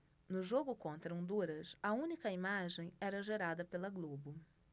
no jogo contra honduras a única imagem era gerada pela globo